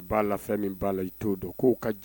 La fɛn min' la t'